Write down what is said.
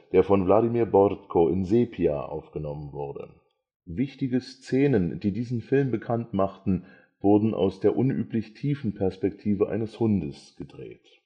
der von Wladimir Bortko in Sepia aufgenommen wurde. Wichtige Szenen, die diesen Film bekannt machten, wurden aus der unüblich tiefen Perspektive eines Hundes gedreht